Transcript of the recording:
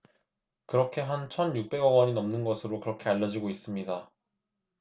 그게 한 천 육백 억 원이 넘는 것으로 그렇게 알려지고 있습니다